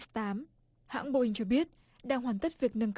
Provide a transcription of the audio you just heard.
tám hãng bô inh cho biết đang hoàn tất việc nâng